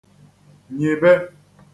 -nyìbe